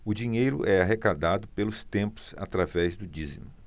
o dinheiro é arrecadado pelos templos através do dízimo